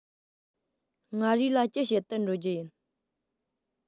མངའ རིས ལ ཅི བྱེད དུ འགྲོ རྒྱུ ཡིན